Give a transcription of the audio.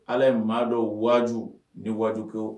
Ala ye maa dɔn waju ni waju k